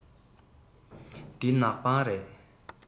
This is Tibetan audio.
འདི ནག པང རེད